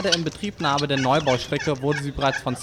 Inbetriebnahme der Neubaustrecke wurde sie bereits von